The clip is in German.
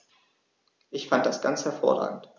Ich fand das ganz hervorragend.